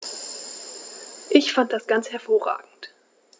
Ich fand das ganz hervorragend.